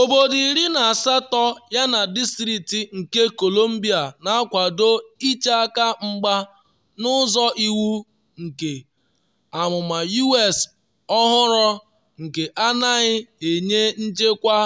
Obodo iri na asatọ yana District of Colombia na-akwado ịche aka mgba n’ụzọ iwu nke amụma U.S ọhụrụ nke anaghị enye nchekwa